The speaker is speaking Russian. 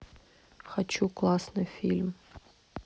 хочу классный фильм